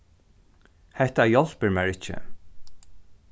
hetta hjálpir mær ikki